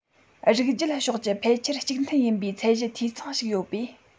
རིགས རྒྱུད ཕྱོགས ཀྱི ཕལ ཆེར གཅིག མཐུན ཡིན པའི ཚད གཞི འཐུས ཚང ཞིག ཡོད པས